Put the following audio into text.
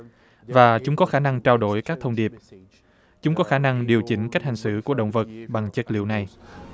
và chúng có khả năng trao đổi các thông điệp chúng có khả năng điều chỉnh cách hành xử của động vật bằng chất liệu này